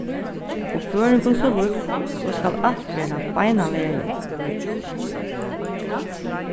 og føroyingum so líkt so skal alt verða beinanvegin